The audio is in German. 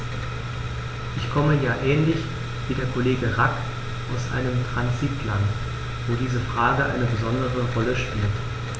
Ich komme ja ähnlich wie der Kollege Rack aus einem Transitland, wo diese Frage eine besondere Rolle spielt.